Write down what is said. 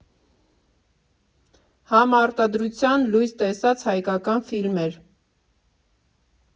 Համարտադրությամբ լույս տեսած հայկական ֆիլմեր։